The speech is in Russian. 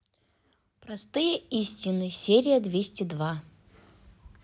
простые истины серия двести два